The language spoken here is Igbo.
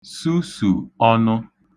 susù ọnụ